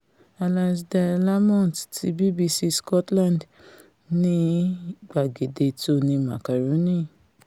Alasdair Lamont ti BBC Scotland ní Gbàgede Tony Macaroni